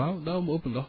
waaw daaw moo ëpp ndox